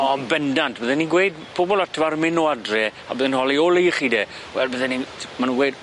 O yn bendant bydden i'n gweud pobol Atbar yn myn' nôl adre a bydden nw 'oli o le 'ych chi de wel bydden i'n t- ma' nw weud